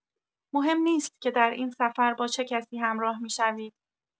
مهم نیست که در این سفر با چه کسی همراه می‌شوید.